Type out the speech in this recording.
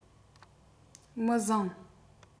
མི བཟང